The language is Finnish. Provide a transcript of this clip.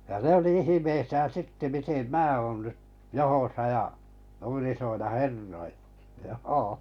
ja ne oli ihmeissään sitten miten minä olen nyt johdossa ja noin isoilla herroilla joo